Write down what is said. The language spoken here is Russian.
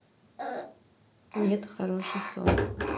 нет хороший сон